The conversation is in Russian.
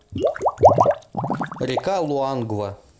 река луангва